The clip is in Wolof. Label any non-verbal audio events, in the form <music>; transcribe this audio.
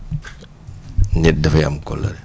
<noise> nit dafay am kóllare